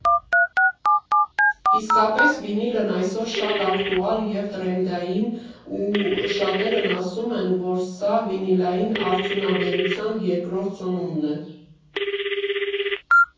Իսկապես, վինիլն այսօր շատ ակտուալ է և թրենդային, ու շատերն ասում են, որ սա վինիլային արդյունաբերության երկրորդ ծնունդն է։